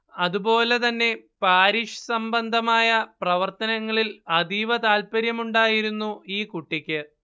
അതുപോലെ തന്നെ പാരിഷ് സംബന്ധമായ പ്രവർത്തനങ്ങളിൽ അതീവ താൽപര്യവുമുണ്ടായിരുന്നു ഈ കുട്ടിക്ക്